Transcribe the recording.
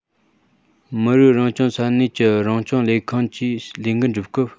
མི རིགས རང སྐྱོང ས གནས ཀྱི རང སྐྱོང ལས ཁུངས ཀྱིས ལས འགན སྒྲུབ སྐབས